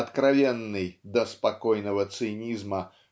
откровенный до спокойного цинизма